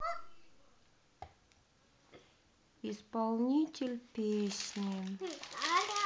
исполнитель песни